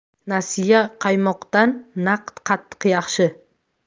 nasiya qaymoqdan naqd qatiq yaxshi